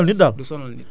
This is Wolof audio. non du xeeñ carrément